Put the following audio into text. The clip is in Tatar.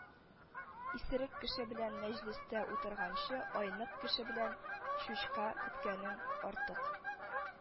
Исерек кеше белән мәҗлестә утырганчы айнык кеше белән чучка көткәнең артык